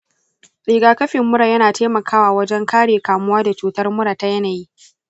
rigakafin mura yana taimakawa wajen kare kamuwa da cutar mura ta yanayi.